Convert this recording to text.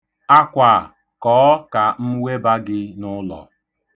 Akwa a, kọọ ka m weba gị n'ụlọ.